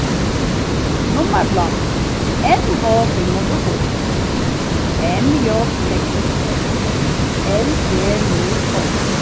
nummarplátur n h fimm hundrað og fýrs m j seks hundrað og tvey l p null tólv